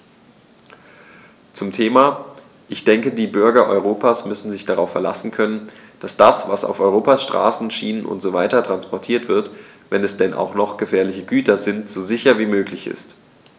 Zum Thema: Ich denke, die Bürger Europas müssen sich darauf verlassen können, dass das, was auf Europas Straßen, Schienen usw. transportiert wird, wenn es denn auch noch gefährliche Güter sind, so sicher wie möglich ist.